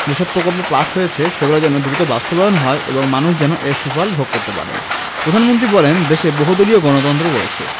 যেসব প্রকল্প পাস হয়েছে সেগুলো যেন দ্রুত বাস্তবায়ন হয় এবং মানুষ যেন এর সুফল ভোগ করতে পারেন প্রধানমন্ত্রী বলেন দেশে বহুদলীয় গণতন্ত্র রয়েছে